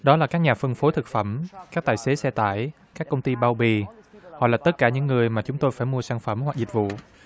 đó là các nhà phân phối thực phẩm các tài xế xe tải các công ty bao bì hoặc là tất cả những người mà chúng tôi phải mua sản phẩm hoặc dịch vụ